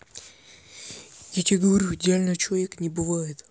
я тебе говорю идеального человека не бывает